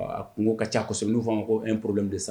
Bon a kunko ka can kosɛbɛ n'u fɔ a ma ko un problème de san